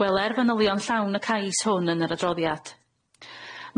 Gweler fanylion llawn y cais hwn yn yr adroddiad.